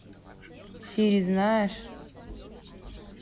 сири знаешь